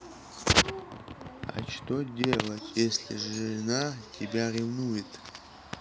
а что делать если жена тебя ревнует